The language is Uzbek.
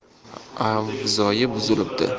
avzoyi buzilibdi